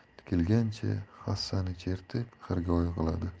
tikilgancha hassasini chertib xirgoyi qiladi